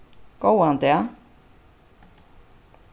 góðan dag